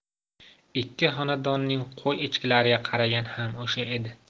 ikki xonadonning qo'y echkilariga qaragan ham o'sha edi